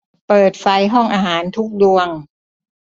เปิดไฟห้องอาหารทุกดวง